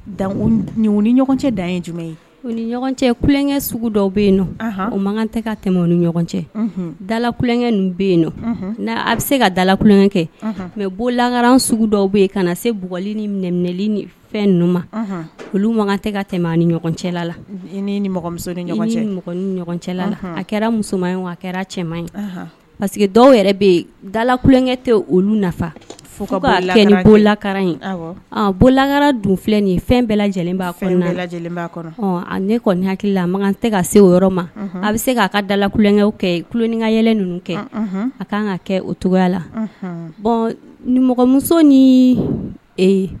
Ni ɲɔgɔn cɛ ni ɲɔgɔn cɛ kukɛ sugu dɔw bɛ yen o man tɛ ka tɛmɛ ni ɲɔgɔn cɛ dala kukɛ bɛ yen a bɛ se ka dala kukɛ kɛ mɛ bɔlankaran sugu dɔw bɛ yen ka na se bugɔli niminɛli ni fɛn ma olu tɛ ka tɛmɛ ni ɲɔgɔn cɛ la ɲɔgɔn cɛ a kɛra musoman a kɛra cɛmanma ye paseke que dɔw yɛrɛ bɛ yen dala kukɛ tɛ olu nafa folakaran ye bolankara dun filɛ nin ye fɛn bɛɛ lajɛlen ne kɔni hakilila a makan tɛ ka se o yɔrɔ ma a bɛ se k'a ka dala kukɛ kɛ kuinkay ninnu kɛ a ka kan ka kɛ o cogoya la bɔn nimuso ni